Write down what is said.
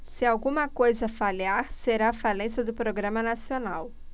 se alguma coisa falhar será a falência do programa nacional